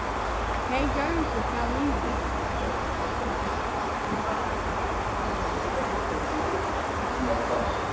tey gjørdu tað liðugt